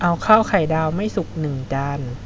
เอาข้าวไข่ดาวไม่สุกหนึ่งจาน